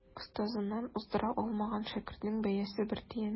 Остазыннан уздыра алмаган шәкертнең бәясе бер тиен.